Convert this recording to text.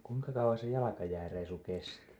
kuinka kauan se jalkajääreissu kesti